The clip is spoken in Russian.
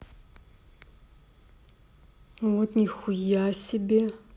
вот нихуя себе